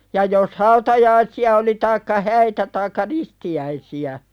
ja jos hautajaisia oli taikka häitä taikka ristiäisiä